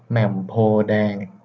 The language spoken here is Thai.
แหม่มโพธิ์แดง